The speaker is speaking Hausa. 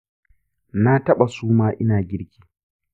na taba suma ina girki.